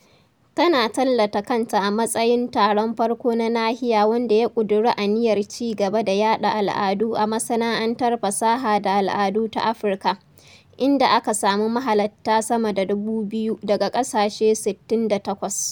Tana tallata kanta a matsayin ''taron farko na nahiya wanda ya ƙudiri aniyar ci gaba da yaɗa al'adu a masana'antar fasaha da al'adu ta Afirka, inda aka samu mahalatta sama da 2000 daga ƙasashe 68.